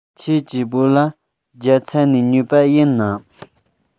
ཁྱེད ཀྱི བོད ལྭ རྒྱ ཚ ནས ཉོས པ ཡིན ནམ